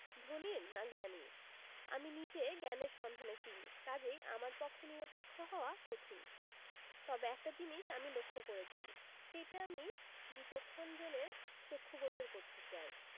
ধনীর না জ্ঞানীর আমি নিজে জ্ঞানের সন্ধানে ফিরি কাজেই আমার পক্ষে নিরপেক্ষ হওয়া কঠিন তবে একটা জিনিস আমি লক্ষ করেছি সেইটে আমি বিচক্ষণ জনের চক্ষু গোচর করতে চাই